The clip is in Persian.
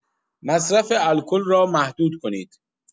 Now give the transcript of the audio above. مصرف الکل را محدود کنید.